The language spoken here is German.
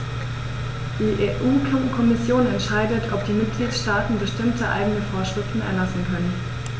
Die EU-Kommission entscheidet, ob die Mitgliedstaaten bestimmte eigene Vorschriften erlassen können.